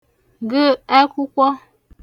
gə̣ ẹkwụkwọ